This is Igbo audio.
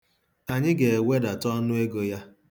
Anyị ga-ewedata ọnụ ego ya.